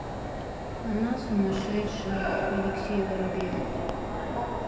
она сумасшедшая алексей воробьев